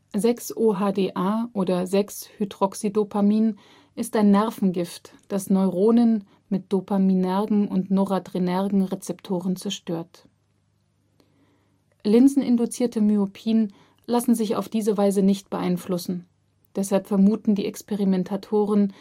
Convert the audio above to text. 6-OHDA oder 6-Hydroxydopamin ist ein Nervengift, das Neuronen mit dopaminergen und noradrenergen Rezeptoren zerstört). Linsen-induzierte Myopien lassen sich auf diese Weise nicht beeinflussen, deshalb vermuten die Experimentatoren